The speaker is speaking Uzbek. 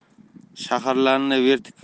shaharlarni vertikal